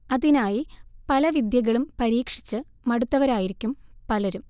അതിനായി പല വിദ്യകളും പരീക്ഷച്ച് മടുത്തവരായിരിക്കും പലരും